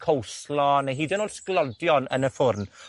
cowlslaw neu hyd yn o'd sglodion yn y ffwrn.